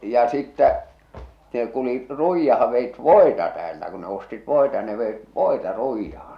ja ja ja sitten ne kulkivat Ruijaan veivät voita täältä kun ne ostivat voita ne veivät voita Ruijaan